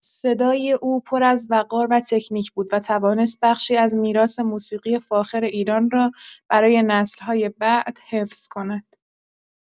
صدای او پر از وقار و تکنیک بود و توانست بخشی از میراث موسیقی فاخر ایران را برای نسل‌های بعد حفظ کند.